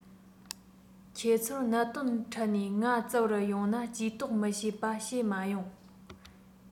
ཁྱེད ཚོར གནད དོན འཕྲད ནས ང བཙལ བར ཡོང ན ཇུས གཏོགས མི བྱེད པ བྱས མ ཡོང